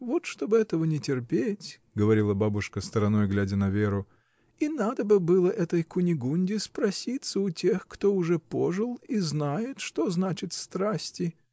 Вот, чтоб этого не терпеть, — говорила бабушка, стороной глядя на Веру, — и надо бы было этой Кунигунде спроситься у тех, кто уже пожил и знает, что значат страсти.